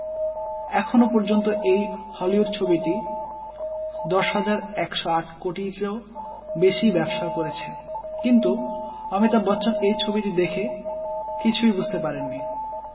এখনও পর্যন্ত এই হলিউড ছবিটি ১০১০৮ কোটিরও বেশি ব্যবসা করেছে কিন্তু অমিতাভ বচ্চন এই ছবিটি দেখে কিছুই বুঝতে পারেননি